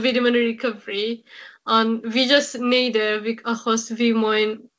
fi dim yn rilii cyfri, ond fi jyst neud e fi achos fi moyn